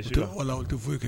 U tɛ ala u tɛ foyi kɛ